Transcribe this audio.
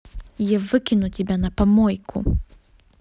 я выкину тебя на помойку